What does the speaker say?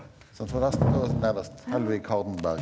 sant nederst Helvig Hardenberg.